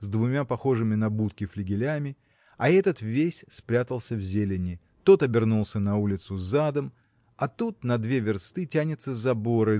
с двумя похожими на будки флигелями а этот весь спрятался в зелени тот обернулся на улицу задом а тут на две версты тянется забор